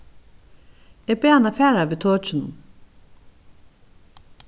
eg bað hana fara við tokinum